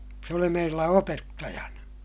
se oli meillä opettajana